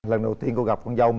lần đầu tiên cô gặp con dâu